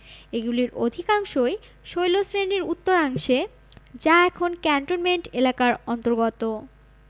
এগুলির অধিকাংশই শৈলশ্রেণির উত্তরাংশে যা এখন ক্যান্টনমেন্ট এলাকার অন্তর্গত